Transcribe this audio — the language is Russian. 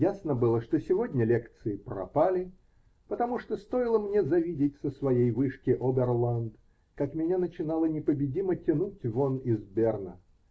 Ясно было, что сегодня лекции пропали, потому что стоило мне завидеть со своей вышки Оберланд, как меня начинало непобедимо тянуть вон из Берна.